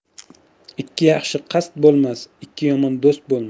ikki yaxshi qasd bo'lmas ikki yomon do'st